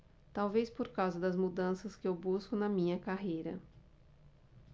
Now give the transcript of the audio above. talvez por causa das mudanças que eu busco na minha carreira